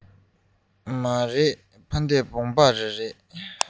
མ རེད ཕ གི བུམ པ རི རེད